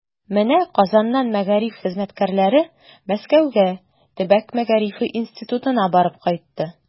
Менә Казаннан мәгариф хезмәткәрләре Мәскәүгә Төбәк мәгарифе институтына барып кайтты.